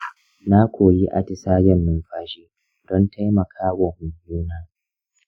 na koyi atisayen numfashi don taimaka wa huhuna.